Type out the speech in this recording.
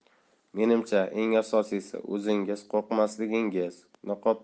menimcha eng asosiysi o'zingiz qo'rqmasligingiz niqob